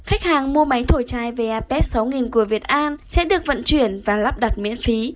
khách hàng mua máy thổi chai vapet của việt an sẽ được vận chuyển và lắp đặt miễn phí